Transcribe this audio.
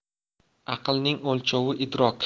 aqlning o'lchovi idrok